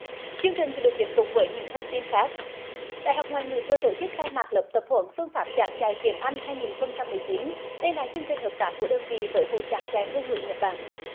chương trình sẽ được tiếp tục với những thông tin khác đại học ngoại ngữ vừa tổ chức khai mạc lớp tập huấn phương pháp giảng dạy tiếng anh hai nghìn không trăm mười chín đây là chương trình hợp tác của đơn vị với hội giảng dạy ngôn ngữ nhật bản